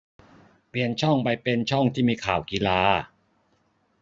เปลี่ยนช่องไปเป็นช่องที่มีข่าวกีฬา